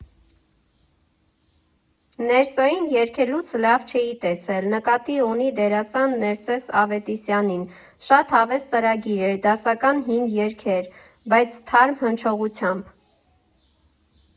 Ներսոյին երգելուց լայվ չէի տեսել, ֊ նկատի ունի դերասան Ներսես Ավետիսյանին, ֊ շատ հավես ծրագիր էր՝ դասական հին երգեր, բայց թարմ հնչողությամբ։